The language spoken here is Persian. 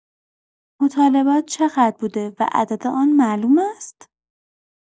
مطالبات چقدر بوده و عدد آن معلوم است؟